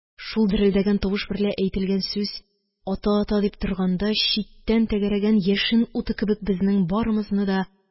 Шул дерелдәгән тавыш берлә әйтелгән сүз ата-ата дип торганда, читтән тәгәрәгән яшен уты кебек, безнең барымызны да